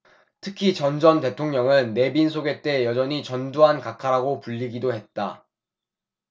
특히 전 전 대통령은 내빈 소개 때 여전히 전두환 각하라고 불리기도 했다